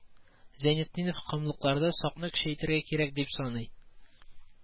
Зәйнетдинов комлыкларда сакны көчәйтергә кирәк дип саный